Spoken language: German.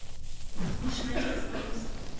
Ich schalte es aus.